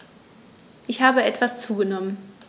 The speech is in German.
Ich habe etwas zugenommen